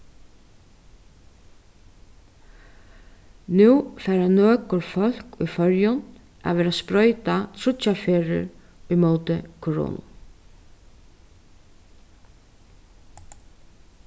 nú fara nøkur fólk í føroyum at verða sproytað tríggjar ferðir ímóti koronu